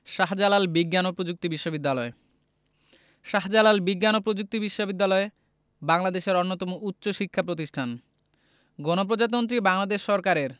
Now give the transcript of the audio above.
শাহ্জালাল বিজ্ঞান ও প্রযুক্তি বিশ্ববিদ্যালয় শাহ্জালাল বিজ্ঞান ও প্রযুক্তি বিশ্ববিদ্যালয় বাংলাদেশের অন্যতম উচ্চশিক্ষা প্রতিষ্ঠান গণপ্রজাতন্ত্রী বাংলাদেশ সরকারের